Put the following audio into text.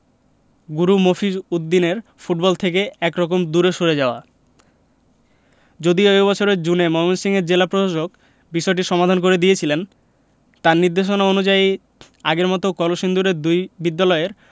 গুরু মফিজ উদ্দিনের ফুটবল থেকে একরকম দূরে সরে যাওয়া যদিও এ বছরের জুনে ময়মনসিংহের জেলা প্রশাসক বিষয়টির সমাধান করে দিয়েছিলেন তাঁর নির্দেশনা অনুযায়ী আগের মতো কলসিন্দুরের দুই বিদ্যালয়ের